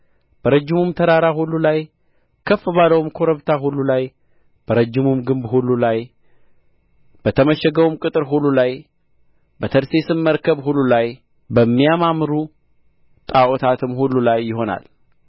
በረጅሙም ተራራ ሁሉ ላይ ከፍ ባለውም ኮረብታ ሁሉ ላይ በረጅሙም ግንብ ሁሉ ላይ በተመሸገውም ቅጥር ሁሉ ላይ በተርሴስም መርከብ ሁሉ ላይ በሚያማምሩ ጣዖታትም ሁሉ ላይ ይሆናል